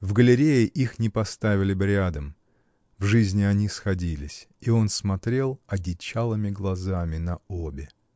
В галерее их не поставили бы рядом: в жизни они сходились — и он смотрел одичалыми глазами на обе.